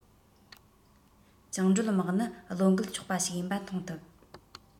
བཅིངས འགྲོལ དམག ནི བློ འགེལ ཆོག པ ཞིག ཡིན པ མཐོང ཐུབ